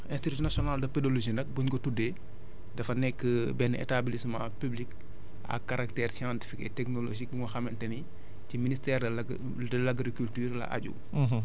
bon institut national de pédologie nag bu ñu ko tuddee dafa nekk benn établissement public à caractère scientifique et technologique moo xamante ni ci ministère de l' agri de l' agriculture la aju